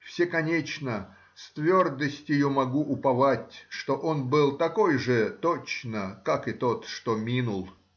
Всеконечно, с твердостию могу уповать, что он был такой же точно, как и тот, что минул.